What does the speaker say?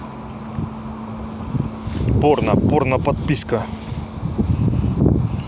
порно порно подписка